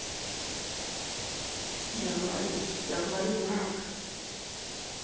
я говорю я говорю дурак